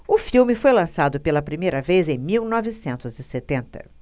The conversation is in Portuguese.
o filme foi lançado pela primeira vez em mil novecentos e setenta